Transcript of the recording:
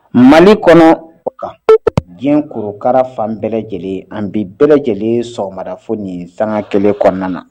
Mali kɔnɔ diɲɛ korokarara fan bɛɛ lajɛlen an bɛ bɛɛ lajɛlen sɔrɔmafo ni sanga kelen kɔnɔna na